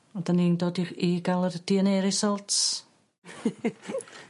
On' 'dan ni'n dod i i ga'l yr Dee En Ay results.